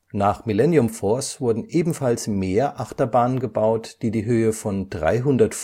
Nach Millennium Force wurden ebenfalls mehr Achterbahnen gebaut, die die Höhe von 91 Meter (300 Fuß